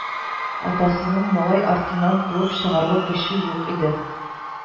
Атасының малай артыннан куып чыгарлык көче юк иде